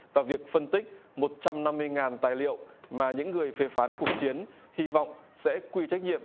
và việc phân tích một trăm năm mươi ngàn tài liệu mà những người phê phán cuộc chiến hy vọng sẽ quy trách nhiệm